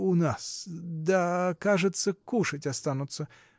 – У нас; да, кажется, кушать останутся.